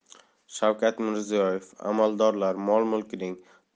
shavkat mirziyoyev amaldorlar mol mulkining